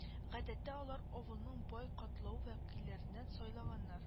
Гадәттә алар авылның бай катлау вәкилләреннән сайлаганнар